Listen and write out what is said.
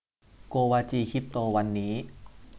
โกวาจีคริปโตวันนี้